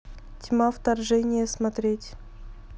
тьма вторжение смотреть